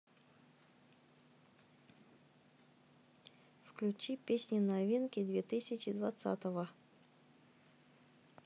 включи песни новинки две тысячи двадцатого